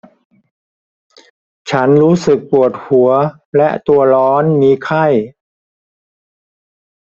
ฉันรู้สึกปวดหัวและตัวร้อนมีไข้